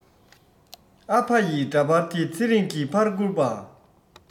ཨ ཕ ཡི འདྲ པར དེ ཚེ རིང གི ཕར བསྐུར པ